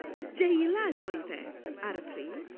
Adeilad oedd e ar y pryd.